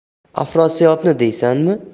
afrosiyobni deysanmi